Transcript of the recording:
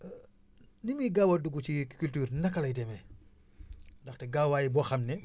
ni muy gaaw dugg ci culture naka lay demee ndaxte gaawaay boo xam ne